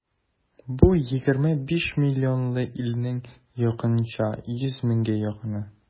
Бу егерме биш миллионлы илнең якынча йөз меңгә якыны.